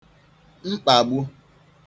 mkpàgbu